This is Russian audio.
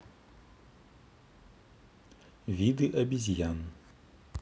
виды обезьян